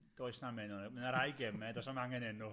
Does 'na'm enw 'na ma' 'na rai gema do's snam angen enw.